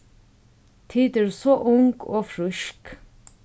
tit eru so ung og frísk